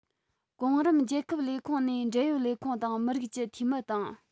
གོང རིམ རྒྱལ ཁབ ལས ཁུངས ནས འབྲེལ ཡོད ལས ཁུངས དང མི རིགས ཀྱི འཐུས མི དང